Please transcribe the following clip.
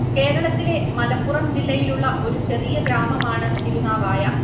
കേരളത്തിലെ മലപ്പുറം ജില്ലയിലുള്ള ഒരു ചെറിയ ഗ്രാമമാണ് തിരുനാവായ